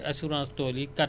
dañ ko xamul